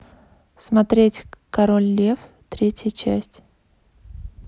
смотреть король лев третья часть